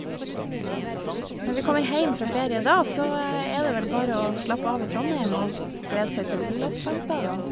Når vi kommer heim fra ferie da, så er det vel bare å slappe av i Trondheim og glede seg til Olavsfestdagene.